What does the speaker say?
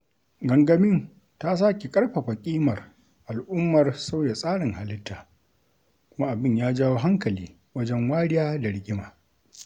Gangamin ta sake ƙarfafa ƙimar al'ummar sauya tsarin halitta; kuma abin ya jawo hankali wajen wariya da rigima.